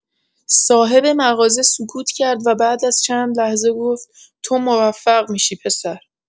صاحب مغازه سکوت کرد و بعد از چند لحظه گفت: «تو موفق می‌شی، پسر!»